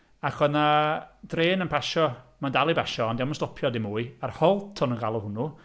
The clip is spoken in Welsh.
Ac oedd yna dren yn basio, mae o'n dal i basio ond dydy o ddim yn stopio dim mwy, a'r Holt oedden nhw'n galw hwnnw.